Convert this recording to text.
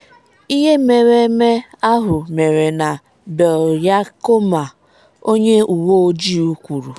Ihe mmereme ahụ mere na Ballyhackamore, onye uwe ojii kwuru.